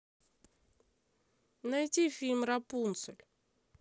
найди фильм рапунцель